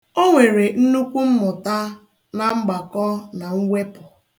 O nwere nnukwu mmụta na mgbakọ na mwepụ.